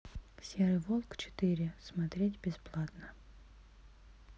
серый волк четыре смотреть бесплатно